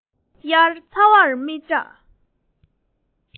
དབྱར ཚ བར མི འཇིགས